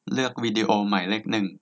เลือกวิดีโอหมายเลขหนึ่ง